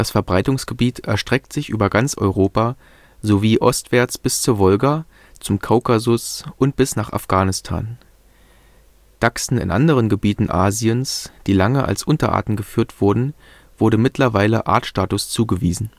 Verbreitungsgebiet erstreckt sich über ganz Europa sowie ostwärts bis zur Wolga, zum Kaukasus und bis nach Afghanistan. Dachsen in anderen Gebieten Asiens, die lange als Unterarten geführt wurden, wurde mittlerweile Artstatus zugewiesen